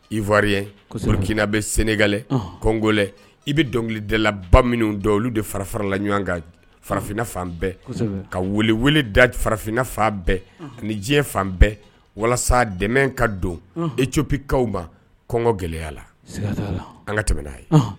Iwakina bɛ senga kɔngolɛ i bɛ dɔnkilidalaba minnu don olu de fara farala ɲɔgɔn kan farafinna fan bɛɛ ka wuli da farafinna fan bɛɛ ani diɲɛ fan bɛɛ walasa dɛmɛ ka don icpkaw ma kɔngɔ gɛlɛyala an ka tɛmɛɛna' a ye